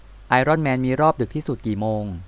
ไอรอนแมนมีรอบดึกที่สุดกี่โมง